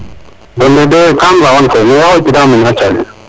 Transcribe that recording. gole de kam rawan koy mexey xoytita mana a Thialé